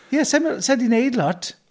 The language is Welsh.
Ie, sa i'n m- sa i 'di wneud lot.